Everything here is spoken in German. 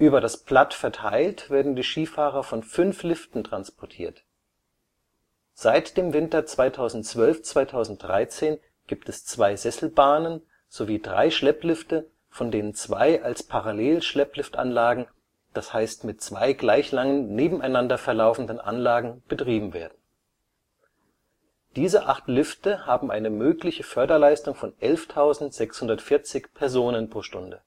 Über das Platt verteilt werden die Skifahrer von fünf Liften transportiert. Seit dem Winter 2012/2013 gibt es zwei Sesselbahnen sowie drei Schlepplifte, von denen zwei als Parallelschleppliftanlagen, das heißt mit zwei gleich langen nebeneinander verlaufenden Anlagen betrieben werden. Diese acht Lifte haben eine mögliche Förderleistung von 11.640 Personen pro Stunde